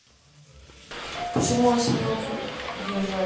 почему осьминоги жарят